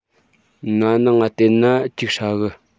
ན ནིང ང བལྟས ན ཅིག ཧྲ གི